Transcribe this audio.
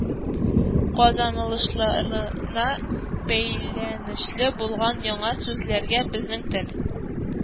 Казанышларына бәйләнешле булган яңа сүзләргә безнең тел